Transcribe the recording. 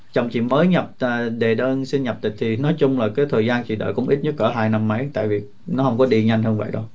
chồng chị mới nhập à đệ đơn xin nhập tịch thì nói chung là cái thời gian chờ đợi cũng ít nhất cỡ hai năm mới tại vì nó không có điện nhanh như vậy đâu